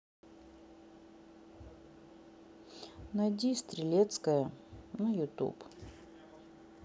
найди стрелецкая на ютуб